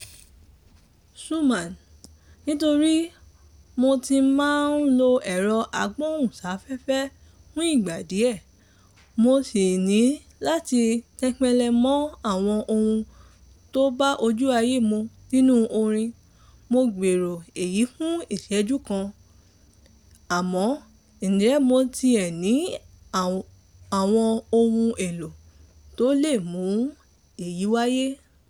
Xuman: Torí mo ti máa ń lo ẹ̀rọ agbóhùnsáfẹ́fẹ́ fún ìgbà díẹ̀ tí mo sì ní láti tẹpẹlẹ mọ àwọn ohun tó bá ojú ayé mú nínú orin... Mo gbèrò èyí fún ìṣẹ́jú kan, àmọ́ ǹjẹ́ mo tiẹ̀ ní àwọn ohun èlò tó lè mú èyí wáyé.